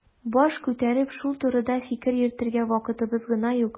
Баш күтәреп шул турыда фикер йөртергә вакытыбыз гына юк.